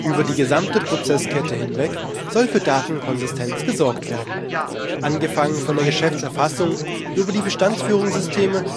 Über die gesamte Prozesskette hinweg soll für Datenkonsistenz gesorgt werden. Angefangen von der Geschäftserfassung, über die Bestandsführungssysteme